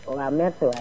waaw merci waay